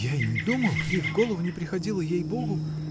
— Я и не думал, и в голову не приходило — ей-богу.